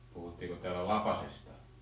puhuttiinko täällä lapasesta